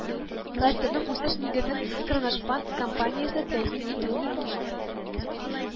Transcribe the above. Кластерның үсеш нигезен Кроношпан компания се тәэмин итүе мөмкин